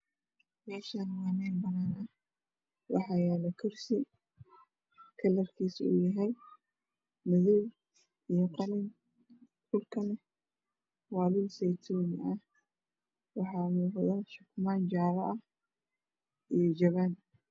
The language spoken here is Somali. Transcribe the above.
Meeshaan waa meel banaan ah waxaa yaalo kursi kalarkiisa yahay madow iyo qalin dhulkana waa dhul saytuun ah waxaa waran shukumaan jaale ah iyo jawaan